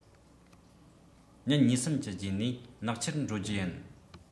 ཉིན གཉིས གསུམ གྱི རྗེས ནས ནག ཆུར འགྲོ རྒྱུ ཡིན